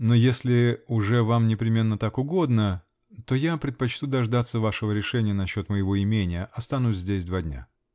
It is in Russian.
Но если уже вам непременно так угодно, то я предпочту дождаться вашего решения насчет моего имения -- останусь здесь два дня.